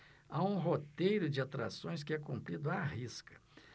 há um roteiro de atrações que é cumprido à risca